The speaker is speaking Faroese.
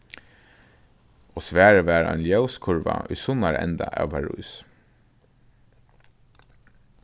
og svarið var ein ljóskurva í sunnara enda av parís